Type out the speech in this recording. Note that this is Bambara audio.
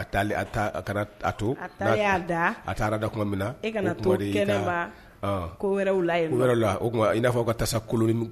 A kɛra to a taara da tuma min na kana wɛrɛ o tuma i n'a fɔ ka taasa kolon